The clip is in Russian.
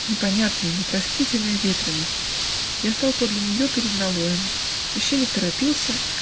Непонятная, непростительная ветреность. я стал подле нее перед налоем священник торопился